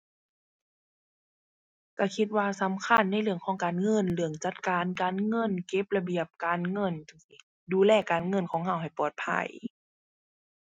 ก็คิดว่าสำคัญในเรื่องของการเงิน เรื่องจัดการการเงิน เก็บระเบียบการเงินจั่งซี้ ดูแลการเงินของก็ให้ปลอดภัย